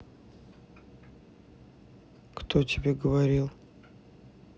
кто тебе говорил